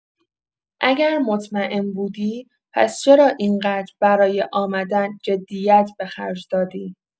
اگر مطمئن بودی پس چرا این‌قدر برای آمدن جدیت به خرج دادی؟